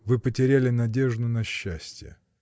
Вы потеряли надежду на счастье.